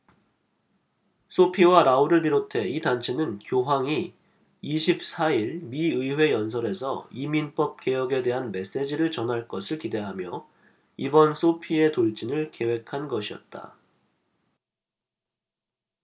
소피와 라울을 비롯해 이 단체는 교황이 이십 사 일 미 의회 연설에서 이민법 개혁에 대한 메시지를 전할 것을 기대하며 이번 소피의 돌진을 계획한 것이었다